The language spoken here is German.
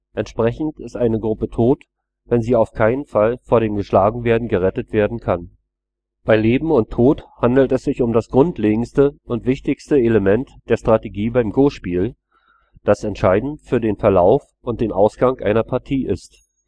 Entsprechend ist eine Gruppe tot, wenn sie auf keinen Fall vor dem Geschlagenwerden gerettet werden kann. Bei Leben und Tod handelt es sich um das grundlegendste und wichtigste Element der Strategie beim Go-Spiel, das entscheidend für den Verlauf und den Ausgang einer Partie ist